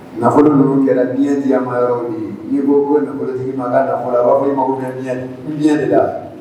Nafolo minnu kɛra diɲɛjiya ma yɔrɔw ye n'i ko ko nafolotigi ma kanfɔ b'a fɔ ɲɛ diɲɛ de la